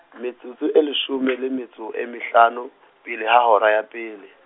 metsotso e leshome le metso e mehlano, pele ha hora ya pele.